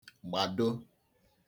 gbàdo